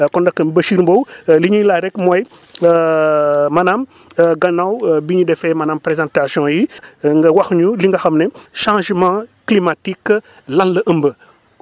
kon nag bachir Mbow li ñuy laaj rek mooy maanaam gannaaw bi ñu defee maanaam présentation yi nga wax ñu li nga xam ne changement climatique lan la ëmb